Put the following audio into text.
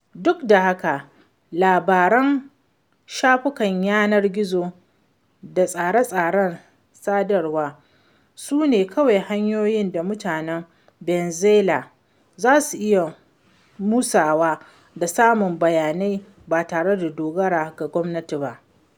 Duk da haka labaran shafukan yanar gizo da tsare-tsaren sadarwa su ne kawai hanyoyin da mutanen Venezuela za su iya musaya da samun bayanai ba tare da dogara ga gwamnati ba.